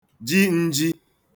ji n̄jī